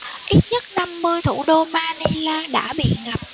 ít nhất năm mươi thủ đô manila đã bị ngập